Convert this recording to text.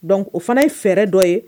Donc o fana ye fɛɛrɛ dɔ ye